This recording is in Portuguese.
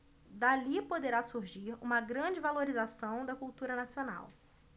dali poderá surgir uma grande valorização da cultura nacional